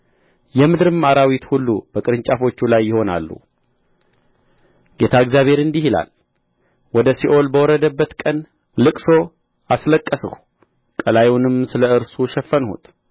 የምድርም አራዊት ሁሉ በቅርንጫፎቹ ላይ ይሆናሉ ጌታ እግዚአብሔር እንዲህ ይላል ወደ ሲኦል በወረደበት ቀን ልቅሶ አስለቀስሁ ቀላዩንም ስለ እርሱ ሸፈንሁት